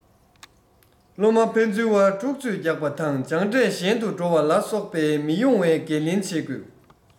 སློབ མ ཕན ཚུན དབར འཁྲུག རྩོད རྒྱག པ དང སྦྱངས འབྲས ཞན དུ འགྲོ བ ལ སོགས པའི མི ཡོང བའི འགན ལེན བྱེད དགོས